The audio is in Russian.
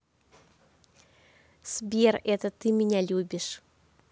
сбер это ты меня любишь